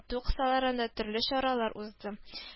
Үтү кысаларында төрле чаралар узды: